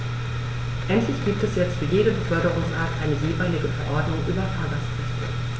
Endlich gibt es jetzt für jede Beförderungsart eine jeweilige Verordnung über Fahrgastrechte.